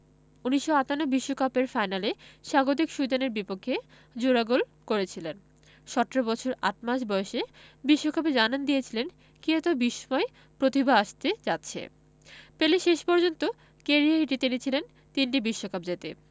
১৯৫৮ বিশ্বকাপের ফাইনালে স্বাগতিক সুইডেনের বিপক্ষে জোড়া গোল করেছিলেন ১৭ বছর ৮ মাস বয়সে বিশ্বকাপে জানান দিয়েছিলেন কী এত বিস্ময় প্রতিভা আসতে যাচ্ছে পেলে শেষ পর্যন্ত ক্যারিয়ারের ইতি টেনেছিলেন তিনটি বিশ্বকাপ জিতে